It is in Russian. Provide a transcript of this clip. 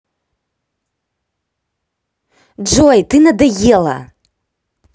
джой ты надоела